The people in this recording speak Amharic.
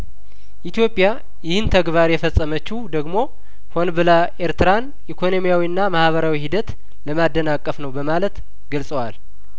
ኢትዮጵያ ይህን ተግባር የፈጸመችው ደግሞ ሆን ብላ ኤርትራን ኢኮኖሚያዊና ማህበራዊ ሂደት ለማደናቀፍ ነው በማለት ገልጸዋል